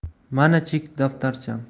mana chek daftarcham